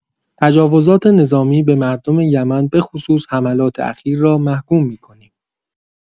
تجاوزات نظامی به مردم یمن بخصوص حملات اخیر را محکوم می‌کنیم.